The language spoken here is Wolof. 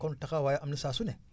kon taxawaay am na saa su ne